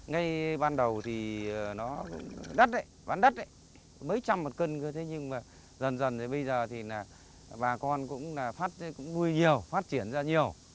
ngay ban đầu thì nó cũng đắt đấy bán đắt đấy mấy trăm một cân cân cơ thế nhưng mà dần dần thì bây giờ thì là bà con cũng là phát cũng nuôi nhiều phát triển ra nhiều